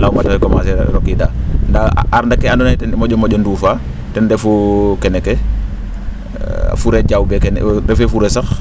law oxey commencer a rokiidaa ndaa arnda ake andoona yee ten i mo?u mo?o nduufa ten refuu kene ke fure jawbe kene refee fure sax